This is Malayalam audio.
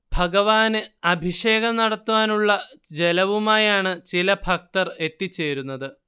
ഭഗവാന് അഭിഷേകം നടത്താനുള്ള ജലവുമായാണ് ചില ഭക്തർ എത്തിച്ചേരുന്നത്